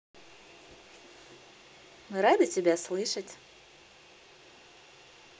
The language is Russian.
мы рады тебя слышать